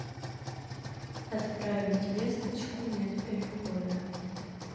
отправить весточку нет перехода